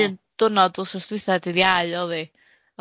O' na un dwrnod wsos dwytha, dydd Iau o'dd 'i